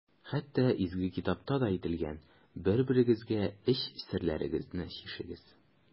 Хәтта Изге китапта да әйтелгән: «Бер-берегезгә эч серләрегезне чишегез».